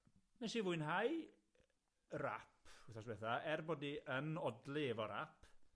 Nes i fwynhau rap, wthnos dwetha, er bod hi yn odli efo rap.